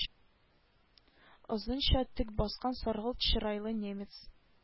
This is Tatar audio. Озынча төк баскан саргылт чырайлы немец